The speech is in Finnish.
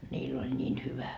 niillä oli niin hyvä